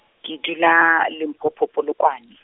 ke dula Limpopo Polokwane.